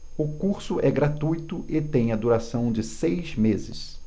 o curso é gratuito e tem a duração de seis meses